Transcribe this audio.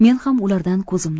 men ham ulardan ko'zimni